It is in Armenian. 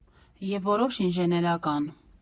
ԵՒ որոշ ինժեներական։